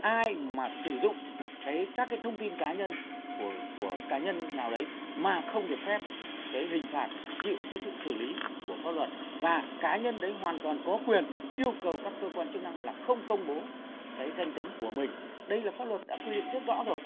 ai mà sử dụng đấy các cái thông tin cá nhân của của cá nhân nào đấy mà không được phép cái hình phạt chịu gây sự xử lý của pháp luật và cá nhân đấy hoàn toàn có quyền yêu cầu các cơ quan chức năng là không công bố cái danh tính của mình đây là pháp luật đã quy định rất rõ rồi